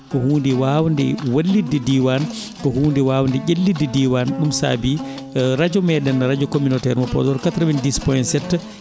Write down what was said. ko hunde wawade wallilde diwan ko hunde wawde ƴellilde diwan ɗum saabi radio meɗen radio communautaire mo Podor 90 POINT 7